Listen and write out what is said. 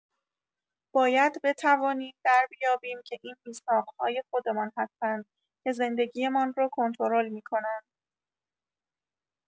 باید بتوانیم دریابیم که این میثاق‌های خودمان هستند که زندگی‌مان را کنترل می‌کنند.